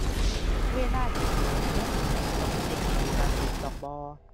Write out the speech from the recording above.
เวลาสิโอนเงินก็ต้องเช็กดีดีว่าก็ต้องบ่